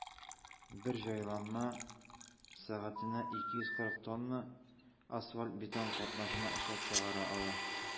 Бер җайланма сәгатенә 240 тонна асфальт–бетон катнашма эшләп чыгара ала.